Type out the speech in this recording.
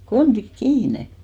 kontit kiinni